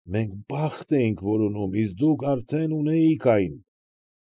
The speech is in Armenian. Մենք բախտ էինք որոնում, իսկ դուք արդեն ունեիք այն։